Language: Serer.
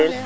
i